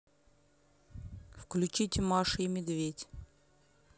включите маша и медведь